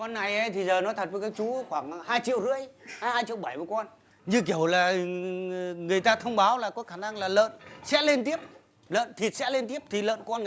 con này thì giờ nói thật với các chú khoảng hai triệu rưỡi hay hai triệu bảy một con như kiểu là người ta thông báo là có khả năng là lợn sẽ lên tiếp lợn thịt sẽ lên tiếp thì lợn con